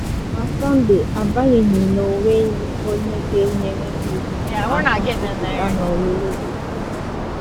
Na Sọnde, agbanyeghị n’onweghị onye ga-enyere gị aka ịpụta n’olulu gị.